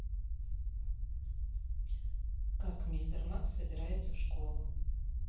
как мистер макс собирается в школу